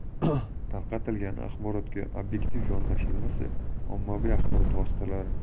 tarqatilgan axborotga obyektiv yondashilmasa ommaviy axborot vositalari